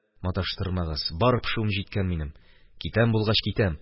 Маташтырмагыз, бар пешүем җиткән минем, китәм булгач китәм.